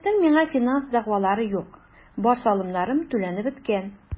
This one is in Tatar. Дәүләтнең миңа финанс дәгъвалары юк, бар салымнарым түләнеп беткән.